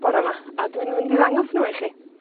bore 'ma, a dw i'n mynd i ddangos nhw i chi.